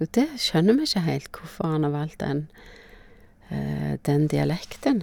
Og det skjønner vi ikke heilt, hvorfor han har valgt den den dialekten.